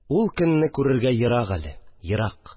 Ул көнне күрергә ерак әле, ерак